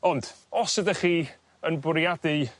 Ond os ydach chi yn bwriadu